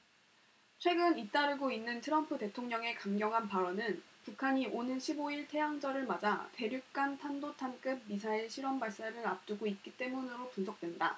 최근 잇따르고 있는 트럼프 대통령의 강경한 발언은 북한이 오는 십 오 일 태양절을 맞아 대륙간탄도탄급 미사일 실험 발사를 앞두고 있기 때문으로 분석된다